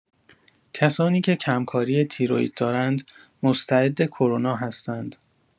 کسانی که کم‌کاری تیروئید دارند، مستعد کرونا هستند.